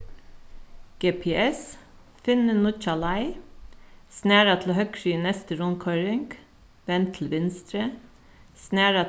gps finni nýggja leið snara til høgru í næstu rundkoyring vend til vinstru snara